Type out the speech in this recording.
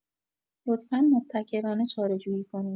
لطفا مبتکرانه چاره‌جویی کنید.